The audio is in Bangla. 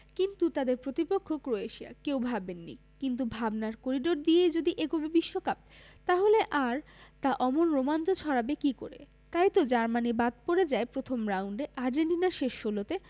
কিন্তু তাদের প্রতিপক্ষ ক্রোয়েশিয়া কেউ ভাবেননি কিন্তু ভাবনার করিডর দিয়েই যদি এগোবে বিশ্বকাপ তাহলে আর তা অমন রোমাঞ্চ ছড়াবে কী করে তাইতো জার্মানি বাদ পড়ে যায় প্রথম রাউন্ডে আর্জেন্টিনা শেষ ষোলোতে